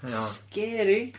M-mh. Scary.